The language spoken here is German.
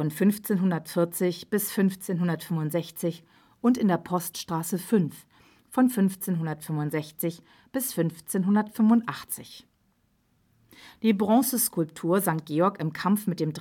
1540 bis 1565) und in der Poststraße 5 (von 1565 bis 1585) Die Bronzeskulptur St. Georg im Kampf mit dem Drachen